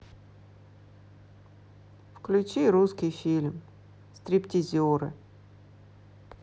включи русский фильм стриптизеры